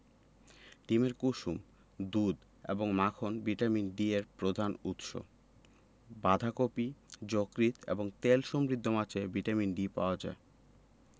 ডিমের কুসুম দুধ এবং মাখন ভিটামিন D এর প্রধান উৎস বাঁধাকপি যকৃৎ এবং তেল সমৃদ্ধ মাছে ভিটামিন D পাওয়া যায়